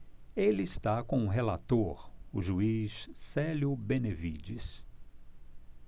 ele está com o relator o juiz célio benevides